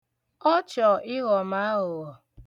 Ọ chọ ịghọ m aghụghọ.